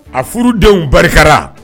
A furu denw barikara